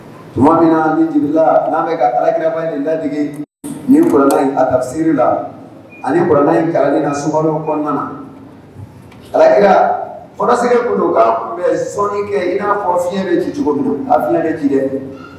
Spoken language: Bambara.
Tuma min na ni n'a bɛ ka alakiba ni laigige nina a dabisiri la aniuranna in kalannen na sumaworo kɔnɔna na alakɛ f sɛgɛgɛku don k' tun bɛ sɔɔni kɛ i n'a fɔ fiɲɛyɛn bɛ ji cogo don a fi bɛ ji don